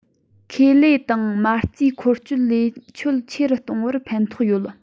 ཁེ ལས དང མ རྩའི འཁོར སྐྱོད ལས ཆོད ཆེ རུ གཏོང བར ཕན ཐོགས ཡོད